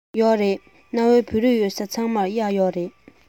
ཡོད རེད གནའ བོའི བོད རིགས ཡོད ས ཚང མར གཡག ཡོད རེད